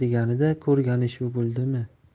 deganida ko'rgani shu bo'ldimi